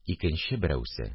Икенче берәүсе: